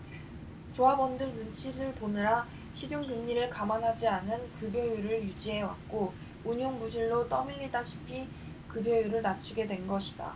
조합원들 눈치를 보느라 시중 금리를 감안하지 않은 급여율을 유지해왔고 운용 부실로 떠밀리다시피 급여율을 낮추게 된 것이다